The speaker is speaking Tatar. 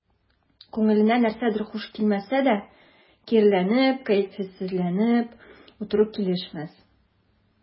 Күңелеңә нәрсәдер хуш килмәсә дә, киреләнеп, кәефсезләнеп утыру килешмәс.